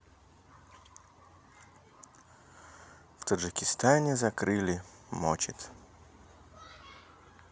в таджикистане закрыли мочит